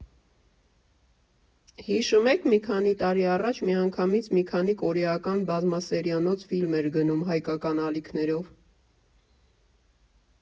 Հիշու՞մ եք, մի քանի տարի առաջ միանգամից մի քանի կորեական բազմասերիանոց ֆիլմ էր գնում հայկական ալիքներով։